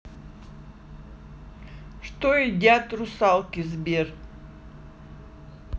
что едят русалки сбер